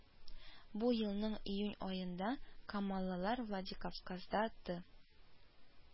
Бу елның июнь аенда камаллылар Владикавказда Ты